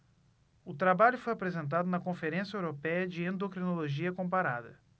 o trabalho foi apresentado na conferência européia de endocrinologia comparada